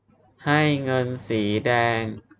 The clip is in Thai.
ให้เงินสีแดง